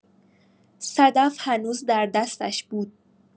صدف هنوز در دستش بود.